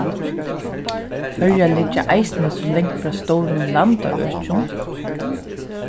føroyar liggja eisini so langt frá stórum landaøkjum